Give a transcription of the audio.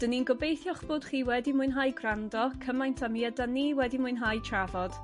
'Dyn ni'n gobeithio'ch fod chi wedi mwynhau gwrando cymaint â mi ydan ni wedi mwynhau trafod.